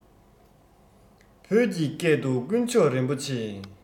བོད ཀྱི སྐད དུ དཀོན མཆོག རིན པོ ཆེ